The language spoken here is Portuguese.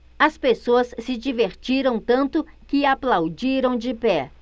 as pessoas se divertiram tanto que aplaudiram de pé